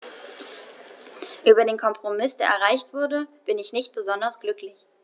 Über den Kompromiss, der erreicht wurde, bin ich nicht besonders glücklich.